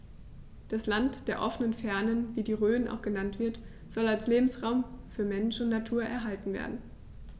Das „Land der offenen Fernen“, wie die Rhön auch genannt wird, soll als Lebensraum für Mensch und Natur erhalten werden.